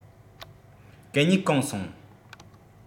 གད སྙིགས གང སོང